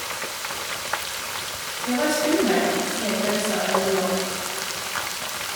Det var skummelt, sier Fausa Aurvåg.